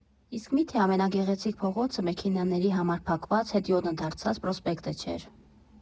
Իսկ մի՞թե ամենագեղեցիկ փողոցը մեքենաների համար փակված, հետիոտն դարձած Պրոսպեկտը չէր։